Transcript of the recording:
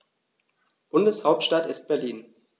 Bundeshauptstadt ist Berlin.